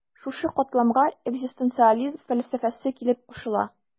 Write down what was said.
Шушы катламга экзистенциализм фәлсәфәсе килеп кушыла.